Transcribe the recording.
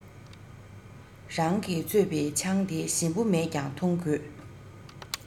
རང གིས བཙོས པའི ཆང དེ ཞིམ པོ མེད ཀྱང འཐུང དགོས